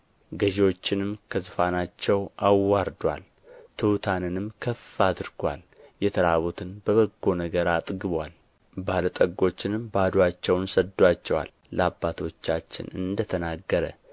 ገዥዎችን ከዙፋናቸው አዋርዶአል ትሑታንንም ከፍ አድርጎአል የተራቡትን በበጎ ነገር አጥግቦአል ባለ ጠጎችንም ባዶአቸውን ሰዶአቸዋል ለአባቶቻችን እንደ ተናገረ